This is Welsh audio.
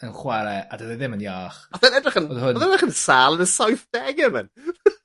yn chware a do'dd e ddim yn iach. Odd e'n edrych yn... Odd hwn... Odd e'n edrych yn sâl yn saithdege myn.